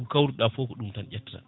ko kawruɗa foof ko ɗum tan ƴettata